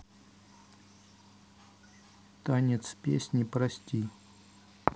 танец песни прости